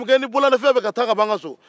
numukɛ i n'i bololafɛn bɛɛ ka taa ka bɔ an ka so